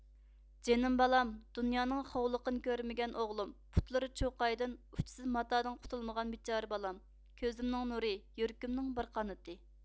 جېنىم بالام دۇنيانىڭ خوۋلۇقىنى كۆرمىگەن ئوغلۇم پۇتلىرى چوقايدىن ئۇچىسى ماتادىن قۇتۇلمىغان بىچارە بالام كۆزۈمنىڭ نۇرى يۈرىكىمنىڭ بىر قانىتى